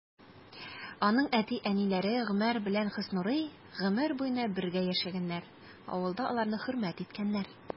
Аның әти-әниләре Гомәр белән Хөснурый гомер буена бергә яшәгәннәр, авылда аларны хөрмәт иткәннәр.